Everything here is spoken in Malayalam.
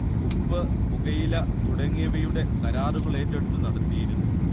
ഉപ്പ് പുകയില തുടങ്ങിയവയുടെ കരാറുകളേറ്റെടുത്തു നടത്തിയിരുന്നു